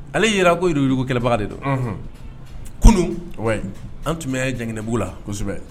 Ale yira ko e y'ugu kɛlɛbaga de don kunun an tun bɛ jbugu la kosɛbɛ